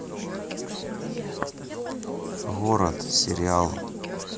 город сериал